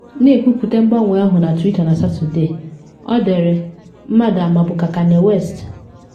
Na ekwupute mgbanwe ahụ na Twitter na Satọde, ọ dere: “Mmadụ amabu ka Kanye West.”